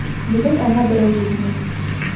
Бүген аңа борыч җитми.